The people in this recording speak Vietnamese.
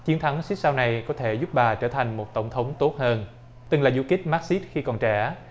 chiến thắng sít sao này có thể giúp bà trở thành một tổng thống tốt hơn từng là du kích mát sít khi còn trẻ